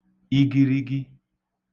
igirigi